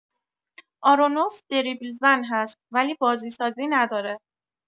آرونوف دریبل زن هست، ولی بازی‌سازی نداره.